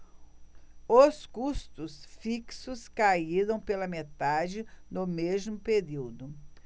os custos fixos caíram pela metade no mesmo período